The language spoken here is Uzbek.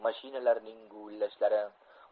mashinalarning guvillashlari